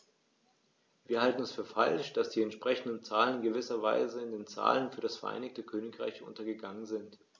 Wir halten es für falsch, dass die entsprechenden Zahlen in gewisser Weise in den Zahlen für das Vereinigte Königreich untergegangen sind.